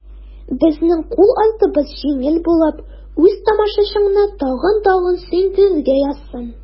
Безнең кул артыбыз җиңел булып, үз тамашачыңны тагын-тагын сөендерергә язсын.